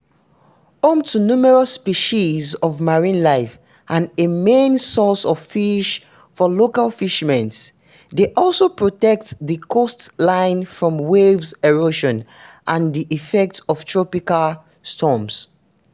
Home to numerous species of marine life (and a main source of fish for local fishermen), they also protect the coastline from wave erosion and the effects of tropical storms.